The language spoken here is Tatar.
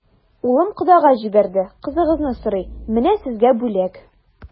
Улым кодага җибәрде, кызыгызны сорый, менә сезгә бүләк.